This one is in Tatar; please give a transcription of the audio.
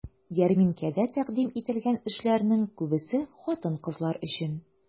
Ярминкәдә тәкъдим ителгән эшләрнең күбесе хатын-кызлар өчен.